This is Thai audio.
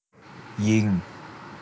ยิง